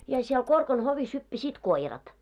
ja siellä Korkan hovissa hyppäsivät koirat